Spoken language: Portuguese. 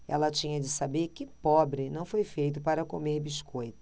ela tinha de saber que pobre não foi feito para comer biscoito